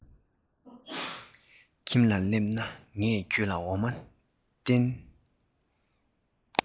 ཁྱིམ ལ སླེབས ན ངས ཁྱོད ལ འོ མ ལྡུད